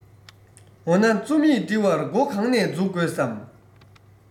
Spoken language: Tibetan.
འོ ན རྩོམ ཡིག འབྲི བར མགོ གང ནས འཛུགས དགོས སམ